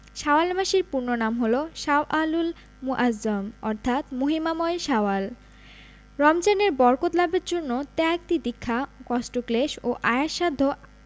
শাওয়াল মাসের পূর্ণ নাম হলো শাওয়ালুল মুআজ্জম অর্থাৎ মহিমাময় শাওয়াল রমজানের বরকত লাভের জন্য ত্যাগ তিতিক্ষা কষ্টক্লেশ ও আয়াস সাধ্য